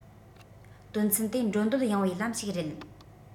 དོན ཚན དེ འགྲོ འདོད ཡངས པའི ལམ ཞིག རེད